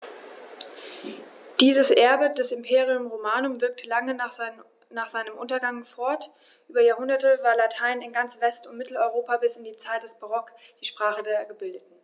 Dieses Erbe des Imperium Romanum wirkte lange nach seinem Untergang fort: Über Jahrhunderte war Latein in ganz West- und Mitteleuropa bis in die Zeit des Barock die Sprache der Gebildeten.